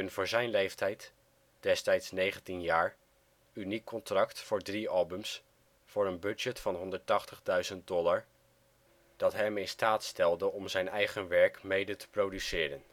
voor zijn leeftijd (19) uniek contract voor drie albums voor een budget van 180.000 dollar, dat hem in staat stelde om zijn eigen werk mede te produceren